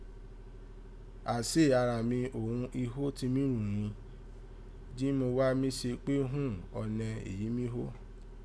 Àsé ara mi òghun ihó tí mí rùn rin, jí mo wá mí sépè ghún ọnẹ èyí mí hó